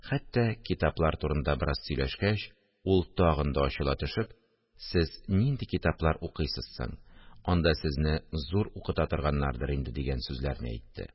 Хәтта китаплар турында бераз сөйләшкәч, ул тагын да ачыла төшеп: – Сез нинди китаплар укыйсыз соң? Анда сезне зур укыта торганнардыр инде? – дигән сүзләрне әйтте